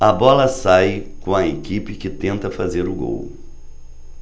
a bola sai com a equipe que tenta fazer o gol